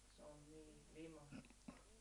se on niin limainen